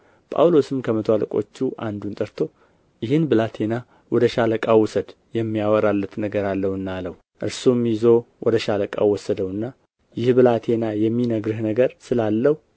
ጳውሎስም ከመቶ አለቆች አንዱን ጠርቶ ይህን ብላቴና ወደ ሻለቃው ውሰድ የሚያወራለት ነገር አለውና አለው እርሱም ይዞት ወደ ሻለቃው ወሰደውና ይህ ብላቴና የሚነግርህ ነገር ስላለው